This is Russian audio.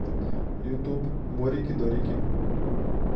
ютуб морики дорики